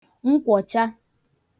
nkwọ̀cha